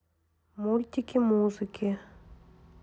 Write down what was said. мультики музыки